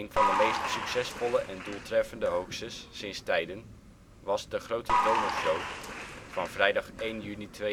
van de meest succesvolle en doeltreffende hoaxes sinds tijden was de Grote Donorshow van vrijdag 1 juni 2007 op de